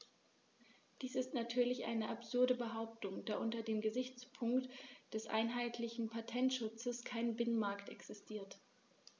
Dies ist natürlich eine absurde Behauptung, da unter dem Gesichtspunkt des einheitlichen Patentschutzes kein Binnenmarkt existiert.